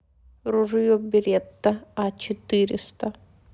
ружье беретта а четыреста